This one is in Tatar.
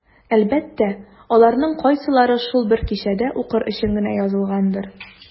Әлбәттә, аларның кайсылары шул бер кичәдә укыр өчен генә язылгандыр.